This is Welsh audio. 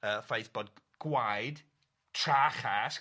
y ffaith bod gwaed tra-chas